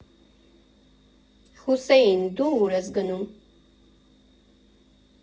Հուսեի՛ն, դո՞ւ ուր ես գնում։